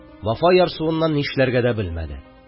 Вафа ярсуыннан нишләргә дә белмәде.